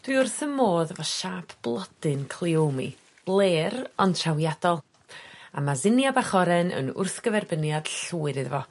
Dwi wrth 'y modd efo siâp blodyn Cleome, bler ond trawiadol a ma' Zinnia bach oren yn wrthgyferbyniad llwyr iddo fo.